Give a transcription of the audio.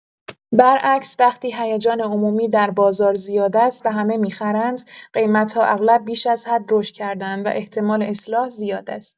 برعکس وقتی هیجان عمومی در بازار زیاد است و همه می‌خرند، قیمت‌ها اغلب بیش از حد رشد کرده‌اند و احتمال اصلاح زیاد است.